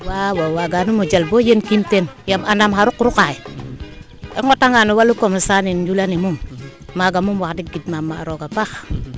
wawaw waganumo jal boo yen kiim teen yaam andaam xa ruq ruqa xe i ngota nga no walu commercant ne njula ne moom maaga moom wax deg gidmam ma a rooga a paax